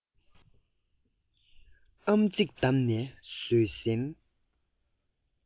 ཨམ གཙིགས བསྡམས ནས བཟོད བསྲན